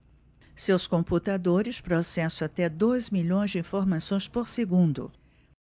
seus computadores processam até dois milhões de informações por segundo